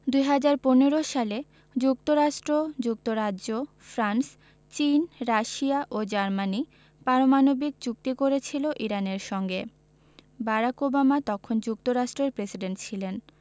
২০১৫ সালে যুক্তরাষ্ট্র যুক্তরাজ্য ফ্রান্স চীন রাশিয়া ও জার্মানি পারমাণবিক চুক্তি করেছিল ইরানের সঙ্গে বারাক ওবামা তখন যুক্তরাষ্ট্রের প্রেসিডেন্ট ছিলেন